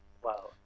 waaw